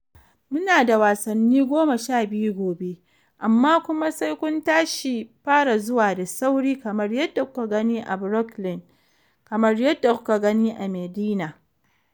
"Mu na da wasanni 12 gobe, amma kuma sai kun tashi fara zuwa da sauri kamar yadda kuka gani a Brookline, kamar yadda kuka gani a Medinah.